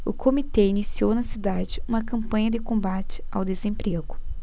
o comitê iniciou na cidade uma campanha de combate ao desemprego